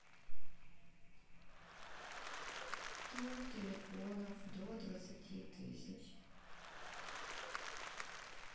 топ телефонов до двадцати тысяч